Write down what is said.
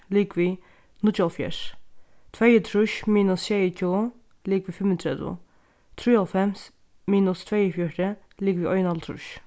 ligvið níggjuoghálvfjerðs tveyogtrýss minus sjeyogtjúgu ligvið fimmogtretivu trýoghálvfems minus tveyogfjøruti ligvið einoghálvtrýss